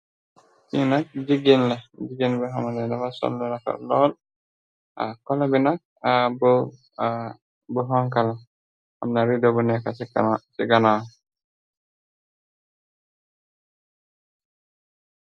Ki nag jiggeen la jigeen ba xamale dafa soon lu rakar lool a.Kola bi nag a ba bu xonkala amna ride bu nekka ci ganaal.